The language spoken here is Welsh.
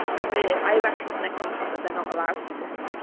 Tibod be? I reckon it's in their contract... Ie. ...that they're not allowed to.